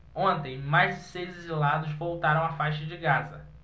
ontem mais seis exilados voltaram à faixa de gaza